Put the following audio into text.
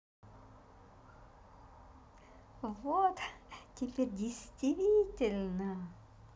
вот теперь действительно